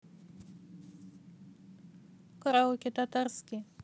караоке татарский